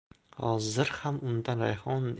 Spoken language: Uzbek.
hozir ham undan rayhon